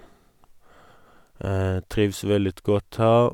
Trives veldig godt her.